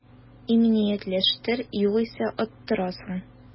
Иминиятләштер, югыйсә оттырасың